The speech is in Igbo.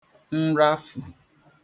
nrafù